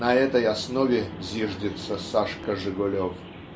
на этой основе зиждется "Сашка Жегулев".